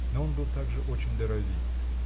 но он был также очень даровит.